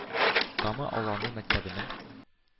Кама Аланы мәктәбенең